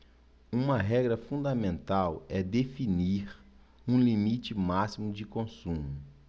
uma regra fundamental é definir um limite máximo de consumo